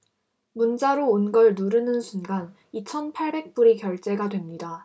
문자로 온 걸 누르는 순간 이천 팔백 불이 결제가 됩니다